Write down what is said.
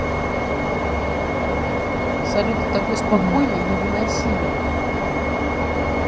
салют ты такой спокойный невыносимый